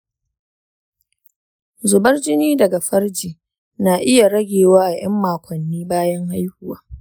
zubar jini daga farji ya na ragewa a ƴan makonni bayan haihuwa